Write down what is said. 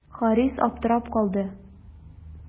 Харис аптырап калды.